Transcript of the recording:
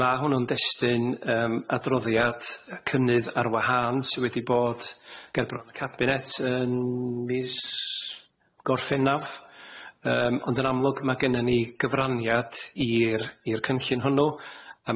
Ma' hwnnw'n destyn yym adroddiad cynnydd ar wahân sy wedi bod gerbron y cabinet yn mis Gorffennaf yym ond yn amlwg ma' gennon ni gyfraniad i'r i'r cynllun hwnnw a